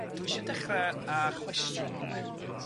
...dwi isio dechre â chwestiwn 'de. Reit.